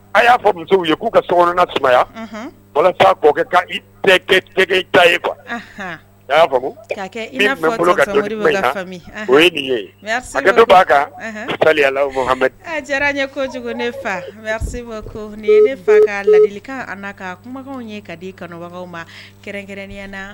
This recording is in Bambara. A y'a ye k'u ka sona tuma walasa kɛ ka ye y'a bolo o nin ye b'a kanha diyara n ye ko kojugu ne fa ko nin ye ne fa ka lali a ka kumaw ye ka di i kanubaga ma kɛrɛnkɛrɛnya na